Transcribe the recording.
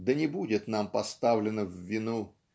да не будет нам поставлена в вину!